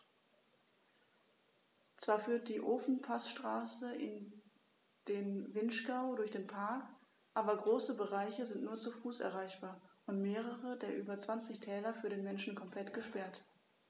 Zwar führt die Ofenpassstraße in den Vinschgau durch den Park, aber große Bereiche sind nur zu Fuß erreichbar und mehrere der über 20 Täler für den Menschen komplett gesperrt.